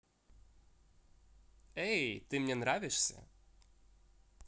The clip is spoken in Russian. эй ты мне нравишься